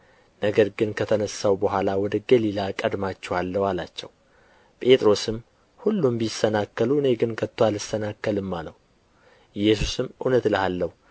ነገር ግን ከተነሣሁ በኋላ ወደ ገሊላ እቀድማችኋለሁ አላቸው ጴጥሮስም ሁሉም ቢሰናከሉ እኔ ግን ከቶ አልሰናከልም አለው ኢየሱስም እውነት እልሃለሁ